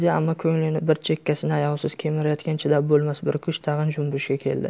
ammo ko'nglining bir chekkasini ayovsiz kemirayotgan chidab bo'lmas bir kuch tag'in junbushga keldi